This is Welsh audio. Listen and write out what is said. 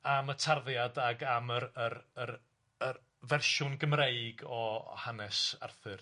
am y tarddiad ag am yr yr yr yr fersiwn Gymreig o hanes Arthur.